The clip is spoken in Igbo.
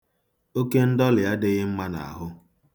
Oke ndọlị adịghị mma n'ahụ.